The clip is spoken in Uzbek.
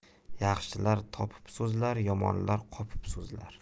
yaxshilar topib so'zlar yomonlar qopib so'zlar